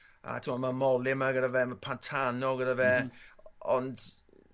a t'mo' ma' Mollema gyda fe ma' Pantano gyda fe ond